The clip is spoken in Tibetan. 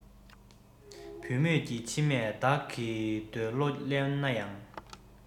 བུད མེད ཀྱི མཆི མས བདག གི འདོད བློ བརླན ན ཡང